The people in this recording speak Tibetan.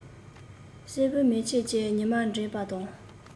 སྲིན བུ མེ ཁྱེར གྱིས ཉི མར འགྲན པ དང